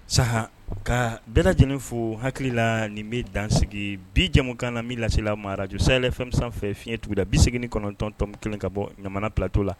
Sa ka bɛɛ lajɛlen fo hakili la nin bɛ dansigi bijamu kan na min lasela maraj saɛlɛ fɛn fiɲɛ tuguda bi segin kɔnɔntɔntɔn kelen ka bɔ ɲamana ptɔ la